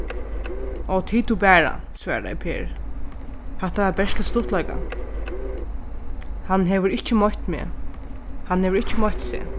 áh tig tú bara svaraði per hatta var bert til stuttleika hann hevur ikki meitt meg hann hevur ikki meitt seg